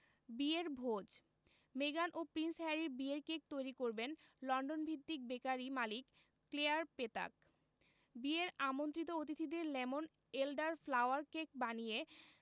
বিয়ের ভোজ মেগান ও প্রিন্স হ্যারির বিয়ের কেক তৈরি করবেন লন্ডনভিত্তিক বেকারি মালিক ক্লেয়ার পেতাক বিয়ের আমন্ত্রিত অতিথিদের লেমন এলডার ফ্লাওয়ার কেক বানিয়ে